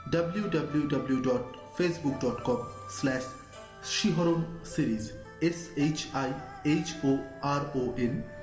W W W dot Facebook dot com slash Shihoron series S H I H O R O N